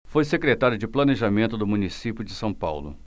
foi secretário de planejamento do município de são paulo